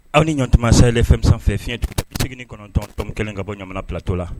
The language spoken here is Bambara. Aw ni ɲɔgɔntuma sahɛli fm sanfɛ fiɲɛ turu 89.1 ka bɔ ɲamana plateau la